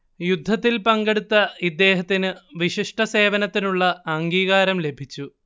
യുദ്ധത്തിൽ പങ്കെടുത്ത ഇദ്ദേഹത്തിന് വിശിഷ്ട സേവനത്തിനുള്ള അംഗീകാരം ലഭിച്ചു